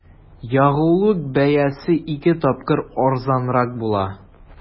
Ягулык бәясе ике тапкыр арзанрак була.